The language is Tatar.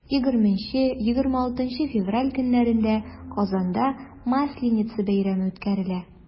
20-26 февраль көннәрендә казанда масленица бәйрәме үткәрелә.